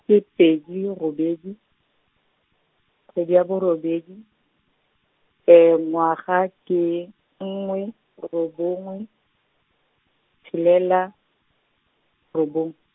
ke pedi robedi, kgwedi ya borobedi, ngwaga ke, nngwe, robongwe, tshelela, robong.